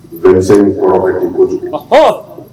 25 kɔrɔ ka dun kojugu .